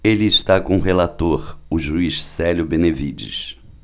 ele está com o relator o juiz célio benevides